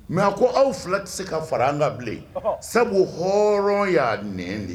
Mɛ a ko aw fila tɛ se ka fara an da bilen sabu hɔrɔn y'a nɛn de